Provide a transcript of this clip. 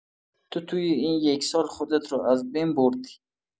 تو توی این یک سال خودت رو از بین بردی.